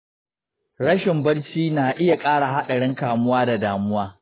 rashin barci na iya ƙara haɗarin kamuwa da damuwa.